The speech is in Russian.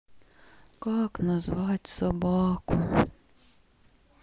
как назвать собаку